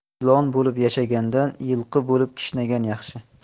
ilon bo'lib yashagandan yilqi bo'lib kishnagan yaxshi